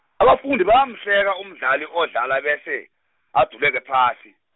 abafundi bayamhleka umdlali odlala bese, aduleke phasi.